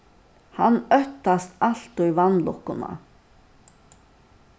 hann óttast altíð vanlukkuna